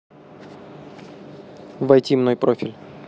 войти мной профиль